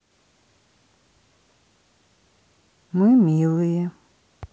мы милые